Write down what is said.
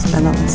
spennende.